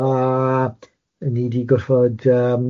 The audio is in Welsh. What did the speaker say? ...a ni di gorffod yym